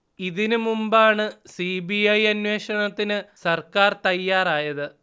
ഇതിന് മുമ്പാണ് C B I അന്വേഷണത്തിന് സർക്കാർ തയ്യാറായത്